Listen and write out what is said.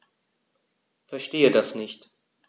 Verstehe das nicht.